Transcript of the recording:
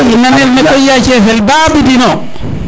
i nanir ne koy yace fel Ba Abidine o